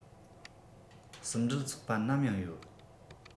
གསུམ འབྲེལ ཚོགས པ ནམ ཡང ཡོད